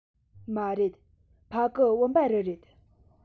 མ རེད ཕ གི བུམ པ རི རེད